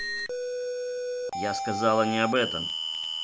я сказала не об этом